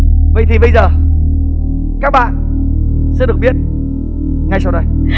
vậy thì bây giờ các bạn sẽ được biết ngay sau đây